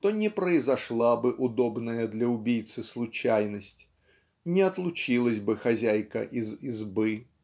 то не произошла бы удобная для убийцы случайность (не отлучилась бы хозяйка из избы)